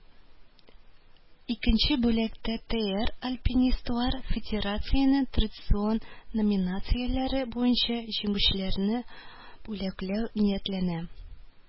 Икенче бүлектә ТР Альпинистлар федерациясенең традицион номинацияләре буенча җиңүчеләрне бүләкләү ниятләнә